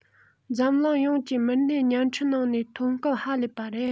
འཛམ གླིང ཡོངས ཀྱི མི སྣས བརྙན འཕྲིན ནང ནས མཐོང སྐབས ཧ ལས པ རེད